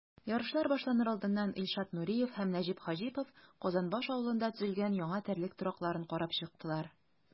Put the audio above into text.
Ярышлар башланыр алдыннан Илшат Нуриев һәм Нәҗип Хаҗипов Казанбаш авылында төзелгән яңа терлек торакларын карап чыктылар.